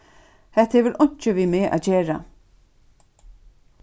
hetta hevur einki við meg at gera